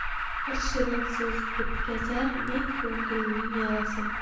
bir shirin so'z bitkazar ming ko'ngilning yarasin